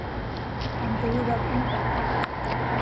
hann dugir at umvæla